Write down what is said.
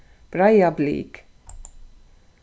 breiðablik